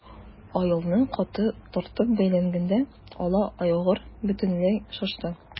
Аелны каты тартып бәйләгәндә ала айгыр бөтенләй шашты.